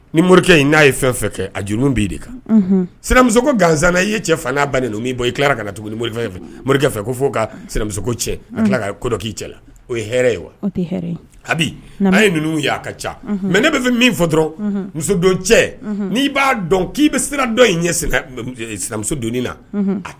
Ni sinamuso gan i ye cɛ n' ba i tuguni mori morikɛ ko' ka sinamuso cɛ ko cɛ o ye wa n' ye ninnu a ka ca mɛ ne bɛ fɛ min fɔ dɔrɔn muso cɛ n'i b'a dɔn k'i bɛ sira dɔn sinamuso donnin na